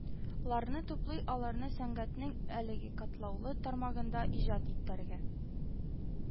Ларны туплый, аларны сәнгатьнең әлеге катлаулы тармагында иҗат итәргә